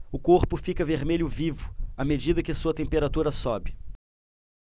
o corpo fica vermelho vivo à medida que sua temperatura sobe